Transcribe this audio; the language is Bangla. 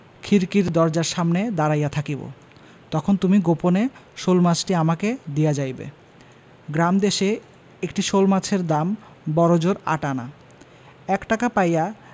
খিড়কির দরজার সামনে দাঁড়াইয়া থাকিব তখন তুমি গোপনে শোলমাছটি আমাকে দিয়া যাইবে গ্রামদেশে একটি শোলমাছের দাম বড়জোর আট আনা এক টাকা পাইয়া